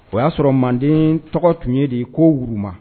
O y'a sɔrɔ manden tɔgɔ tun ye de kouru